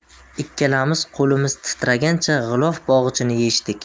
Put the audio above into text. ikkalamiz qo'limiz titragancha g'ilof bog'ichini yechdik